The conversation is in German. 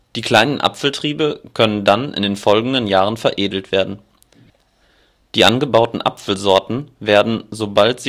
Die kleinen Apfeltriebe können dann in den folgenden Jahren veredelt werden. Die angebauten Apfelsorten werden, sobald